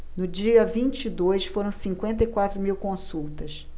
no dia vinte e dois foram cinquenta e quatro mil consultas